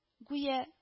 Гүя